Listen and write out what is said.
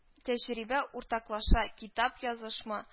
Тәҗрибә уртаклаша, китап язмышма